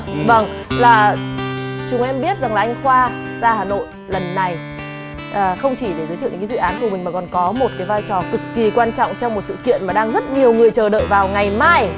vầng là chúng em biết rằng là anh khoa ra hà nội lần này à không chỉ để giới thiệu những cái dự án của mình mà còn có một cái vai trò cực kỳ quan trọng trong một sự kiện và đang rất nhiều người chờ đợi vào ngày mai